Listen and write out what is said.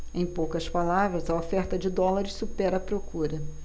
em poucas palavras a oferta de dólares supera a procura